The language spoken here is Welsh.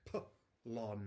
Pyh, Lon.